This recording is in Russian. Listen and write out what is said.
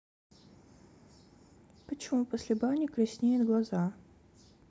почему после бани краснеет глаза